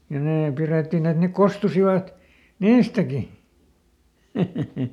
ja ne pidettiin että ne kostuisivat niistäkin